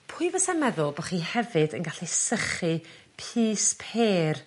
Pwy fysa'n meddwl bo' chi hefyd yn gallu sychu pys pêr?